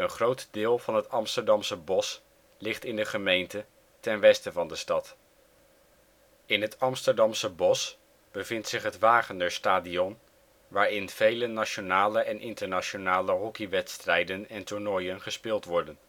groot deel van het Amsterdamse Bos ligt in de gemeente (ten westen van de stad). In het Amsterdamse Bos bevindt zich het Wagener-stadion, waarin vele nationale en internationale hockeywedstrijden en - toernooien gespeeld worden